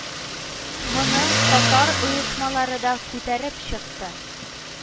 Моны татар оешмалары да күтәреп чыкты